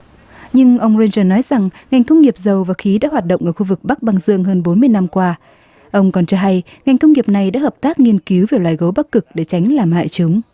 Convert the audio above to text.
nhưng ông rên chừn nói rằng ngành công nghiệp dầu và khí đã hoạt động ở khu vực bắc băng dương hơn bốn mươi năm qua ông còn cho hay ngành công nghiệp này đã hợp tác nghiên cứu về loài gấu bắc cực để tránh làm hại chúng